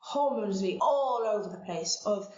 hormones fi all over the place o'dd